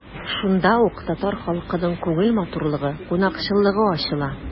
Шунда ук татар халкының күңел матурлыгы, кунакчыллыгы ачыла.